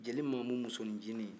jeli maamu musonin ncinin